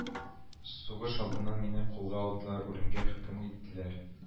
Сугыш алдыннан мине кулга алдылар, үлемгә хөкем иттеләр